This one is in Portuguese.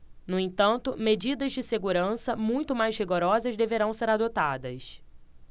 no entanto medidas de segurança muito mais rigorosas deverão ser adotadas